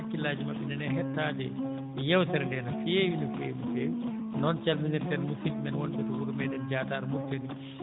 hakkillaaji maɓɓe nana e hettaade yeewtere nde no feewi no feewi no feewi noon calminirten musidɓe men wonɓe to wuro meeɗen Diatar Mauritanie